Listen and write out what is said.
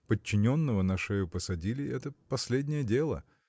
подчиненного на шею посадили: это последнее дело.